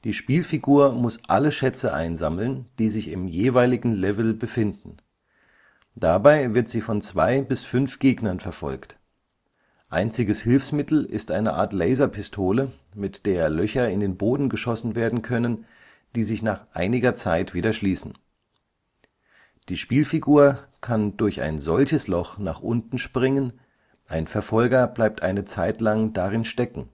Spielfigur muss alle Schätze einsammeln, die sich im jeweiligen Level befinden. Dabei wird sie von zwei bis fünf Gegnern verfolgt. Einziges Hilfsmittel ist eine Art Laserpistole, mit der Löcher in den Boden geschossen werden können, die sich nach einiger Zeit wieder schließen. Die Spielfigur kann durch ein solches Loch nach unten springen, ein Verfolger bleibt eine Zeit lang darin stecken